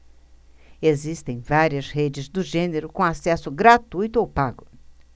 existem várias redes do gênero com acesso gratuito ou pago